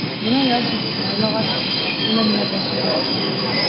Менә яз да житте, Аллага шөкер, үләннәр чыга башлар.